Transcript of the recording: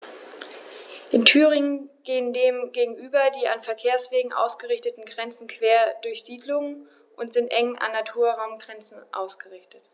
In Thüringen gehen dem gegenüber die an Verkehrswegen ausgerichteten Grenzen quer durch Siedlungen und sind eng an Naturraumgrenzen ausgerichtet.